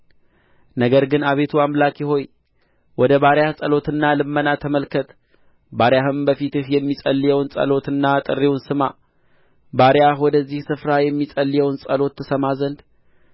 ነገር ግን አቤቱ አምላኬ ሆይ ወደ ባሪያህ ጸሎትና ልመና ተመልከት ባሪያህም በፊትህ የሚጸልየውን ጸሎትና ጥሪውን ስማ ባሪያህ ወደዚህ ስፍራ የሚጸልየውን ጸሎት ትሰማ ዘንድ